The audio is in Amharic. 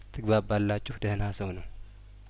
ትግባ ባላችሁ ደህና ሰው ነው